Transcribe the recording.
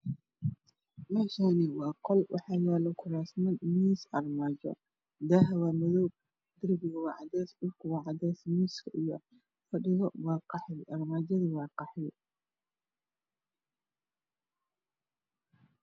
Meeshaani waa qol waxaana yaalo armaajo miis iyo kuraasman daahu waa madow darbigu waa cadees miiska iyo fadhigu waa qaxwe armaajaduna waa qaxwe